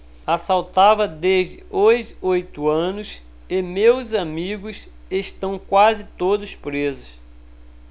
assaltava desde os oito anos e meus amigos estão quase todos presos